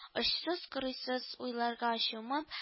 Очсыз-кырыйсыз уйларга чумып